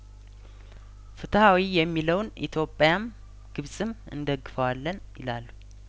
ፍትሀዊ የሚለውን ኢቶጵያም ግብጽም እንደግፈዋለን ይላሉ